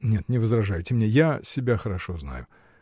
Нет, не возражайте мне; я себя хорошо знаю.